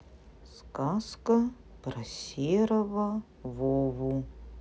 сказка про серого вову